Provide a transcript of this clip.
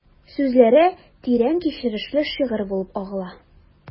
Сүзләре тирән кичерешле шигырь булып агыла...